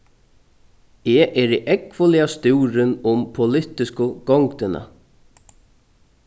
eg eri ógvuliga stúrin um politisku gongdina